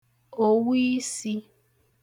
òwu isī